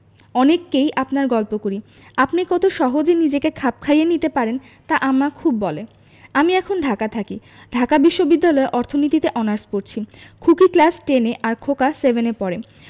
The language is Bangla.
অনেককেই আপনার গল্প করি আপনি কত সহজে নিজেকে খাপ খাইয়ে নিতে পারেন তা আম্মা খুব বলে আমি এখন ঢাকা থাকি ঢাকা বিশ্ববিদ্যালয়ে অর্থনীতিতে অনার্স পরছি খুকি ক্লাস টেন এ আর খোকা সেভেন এ পড়ে